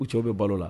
U cɛw bɛ balo la